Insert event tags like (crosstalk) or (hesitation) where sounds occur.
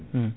(hesitation) (hesitation)